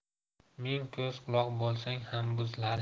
ming ko'z quloq bo'lsang ham buziladi